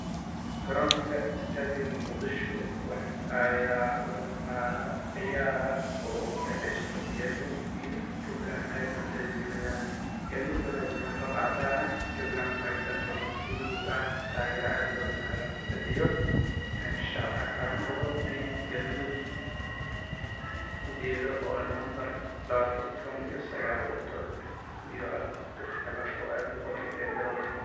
Waa garoon waxaa jooga niman wataan fanaanado buluug dad ayaa daawanayo